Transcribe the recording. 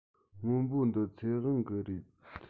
སྔོན པོ འདི ཚེ དབང གི རེད